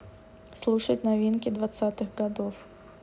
слушать новинки двадцатых годов